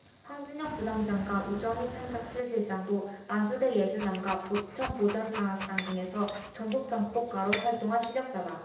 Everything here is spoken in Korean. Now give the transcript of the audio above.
황진영 부단장과 우정희창작실 실장도 만수대 예술단과 보천보전자악단 등에서 전속 작곡가로 활동한 실력자다